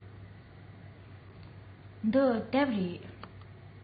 འདི དེབ རེད